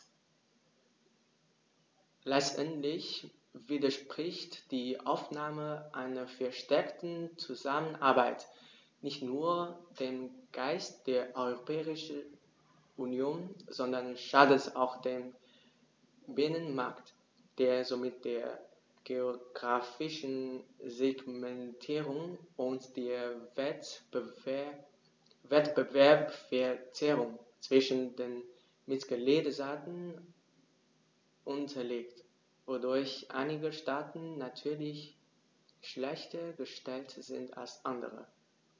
Letztendlich widerspricht die Aufnahme einer verstärkten Zusammenarbeit nicht nur dem Geist der Europäischen Union, sondern schadet auch dem Binnenmarkt, der somit der geographischen Segmentierung und der Wettbewerbsverzerrung zwischen den Mitgliedstaaten unterliegt, wodurch einige Staaten natürlich schlechter gestellt sind als andere.